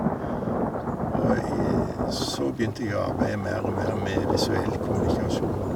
Og i så begynte jeg å arbeide mer og mer med visuell kommunikasjon.